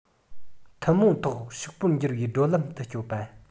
ཐུན མོང ཐོག ཕྱུག པོར འགྱུར བའི བགྲོད ལམ དུ སྐྱོད པ